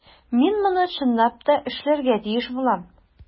Мин моны чынлап та эшләргә тиеш булам.